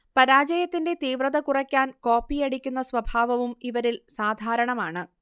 പരാജയത്തിന്റെ തീവ്രത കുറയ്ക്കാൻ കോപ്പിയടിക്കുന്ന സ്വഭാവവും ഇവരിൽ സാധാരണമാണ്